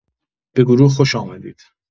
به گروه خوش آمدید